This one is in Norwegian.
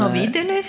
Navid eller?